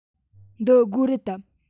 འདི སྒོ རེད དམ